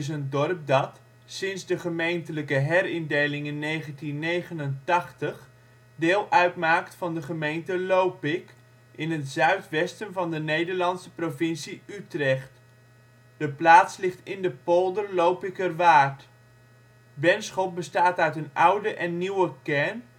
een dorp dat, sinds de gemeentelijke herindeling in 1989, deel uit maakt van de gemeente Lopik, in het zuidwesten van de Nederlandse provincie Utrecht. De plaats ligt in de polder Lopikerwaard. Benschop bestaat uit een oude en nieuwe kern